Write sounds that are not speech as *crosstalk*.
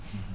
*hesitation* *hesitation*